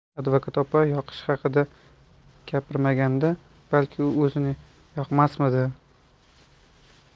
advokat opa yoqish haqida gapirmaganda balki u o'zini yoqmasmidi